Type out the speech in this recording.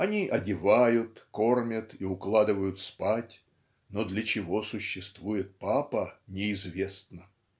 они одевают, кормят и укладывают спать, но для чего существует папа неизвестно".